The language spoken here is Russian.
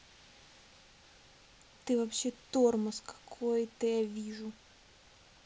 ты вообще тормоз какой то я вижу